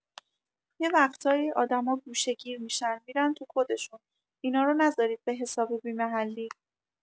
یه وقتایی آدما گوشه‌گیر می‌شن می‌رن تو خودشون، اینا رو نذارید به‌حساب بی‌محلی!